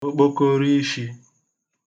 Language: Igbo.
okpokoroishi